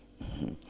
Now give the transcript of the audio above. %hu